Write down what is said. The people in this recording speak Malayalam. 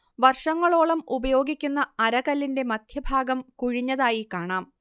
വർഷങ്ങളോളം ഉപയോഗിക്കുന്ന അരകല്ലിന്റെ മധ്യഭാഗം കുഴിഞ്ഞതായി കാണാം